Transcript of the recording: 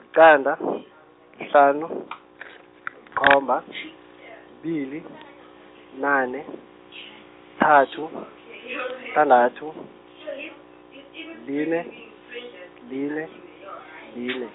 yiqanda , kuhlanu, khomba, -bili, bunane, -thathu, sithandathu, line, line, line.